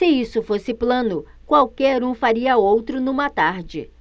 se isso fosse plano qualquer um faria outro numa tarde